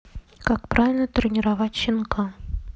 как правильно тренировать щенка